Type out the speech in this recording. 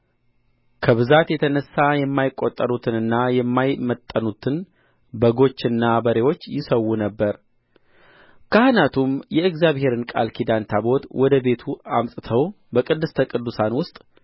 ከብዛት የተነሣ የማይቈጠሩትንና የማይመጠኑትን በጎችና በሬዎች ይሠዉ ነበር ካህናቱም የእግዚአብሔርን ቃል ኪዳን ታቦት ወደ ቤቱ አምጥተው በቅድስት ቅዱሳን ውስጥ